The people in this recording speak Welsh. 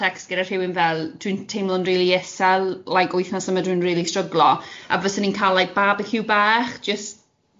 tecst gyda rhywun fel dwi'n teimlo'n rili isel like wythnos yma dwi'n rili stryglo a fysan ni'n cael like barbeque bach.